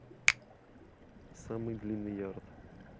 самый длинный ярд